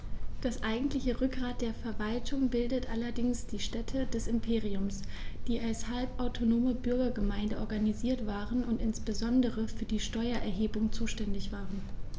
Das eigentliche Rückgrat der Verwaltung bildeten allerdings die Städte des Imperiums, die als halbautonome Bürgergemeinden organisiert waren und insbesondere für die Steuererhebung zuständig waren.